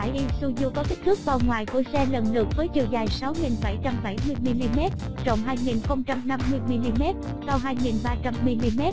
xe tải isuzu có kích thước bao ngoài của xe lần lượt với chiều dài mm rộng mm cao mm